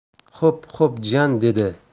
xo'p xo'p jiyan dedi